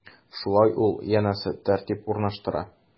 Шулай ул, янәсе, тәртип урнаштыра.